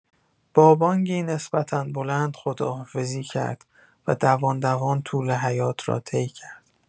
با بانگی نسبتا بلند خداحافظی کرد و دوان دوان طول حیاط را طی کرد.